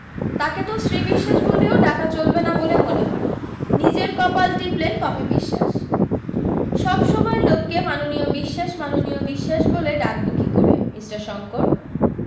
তাকে তো শ্রী বিশ্বাস বলেও ডাকা চলবে না বলে মনে হয় নিজের কপাল টিপলেন পপি বিশ্বাস সব সময় লোককে মাননীয় বিশ্বাস মাননীয় বিশ্বাস বলে ডাকবো কী করে মিষ্টার শংকর